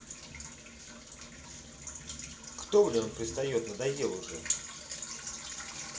кто блин он пристает надоел уже